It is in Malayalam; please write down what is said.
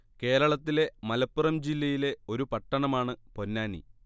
കേരളത്തിലെ മലപ്പുറം ജില്ലയിലെ ഒരു പട്ടണമാണ് പൊന്നാനി